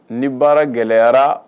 Ni baara gɛlɛyara